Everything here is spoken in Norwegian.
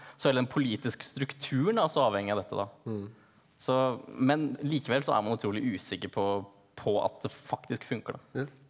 så hele den politiske strukturen er altså avhengig av dette da så men likevel så er man utrolig usikker på på at det faktisk funker da.